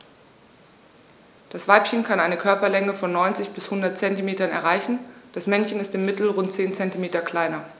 Das Weibchen kann eine Körperlänge von 90-100 cm erreichen; das Männchen ist im Mittel rund 10 cm kleiner.